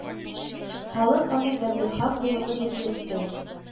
Халык аны габделхак болыны дип йөртте